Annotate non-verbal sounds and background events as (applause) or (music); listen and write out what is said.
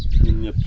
(noise) ñun ñëpp